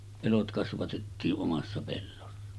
elot kasvatettiin omassa pellossa